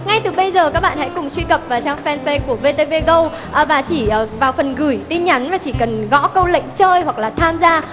ngay từ bây giờ các bạn hãy cùng truy cập vào trang phan bây của vê tê vê gâu và chỉ vào vào phần gửi tin nhắn và chỉ cần gõ câu lệnh chơi hoặc là tham gia